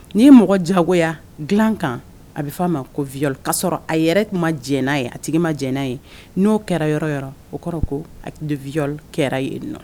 N'i ye mɔgɔ jagoya dilakan a bɛ f'a ma ko vyli kaa sɔrɔ a yɛrɛ tun ma jɛ ye a tigi ma j ye n'o kɛra yɔrɔ yɔrɔ o kɔrɔ koli kɛra ye nɔ